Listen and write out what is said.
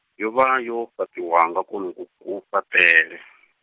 ya yo vha yo fhaṱiwa nga kwonoku kufhaṱele.